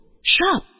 Чап!